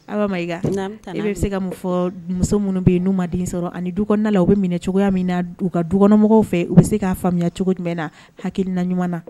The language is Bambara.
I ale bɛ se ka mun fɔuso minnu bɛ yen n'u maden sɔrɔ ani du kɔnɔ la o bɛ minɛ cogoya min na ka dukɔnɔmɔgɔw fɛ u bɛ se k kaa faamuya cogo jumɛn na hakiina ɲɔgɔn na